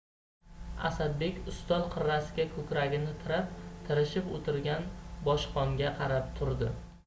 asadbek ustol qirrasiga ko'kragini tirab tirishib o'tirgan boshqonga qarab turdi